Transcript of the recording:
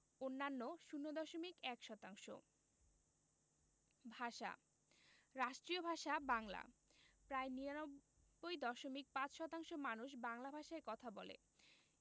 অন্যান্য ০দশমিক ১ শতাংশ ভাষাঃ রাষ্ট্রীয় ভাষা বাংলা প্রায় ৯৯দশমিক ৫শতাংশ মানুষ বাংলা ভাষায় কথা বলে